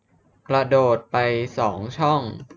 กระโดดไปสองช่อง